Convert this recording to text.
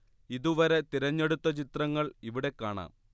ഇതുവരെ തിരഞ്ഞെടുത്ത ചിത്രങ്ങൾ ഇവിടെ കാണാം